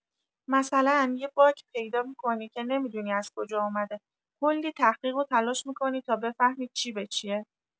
مثلا یه باگ پیدا می‌کنی که نمی‌دونی از کجا اومده، کلی تحقیق و تلاش می‌کنی تا بفهمی چی به چیه.